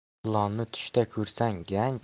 ilonni tushda ko'rsang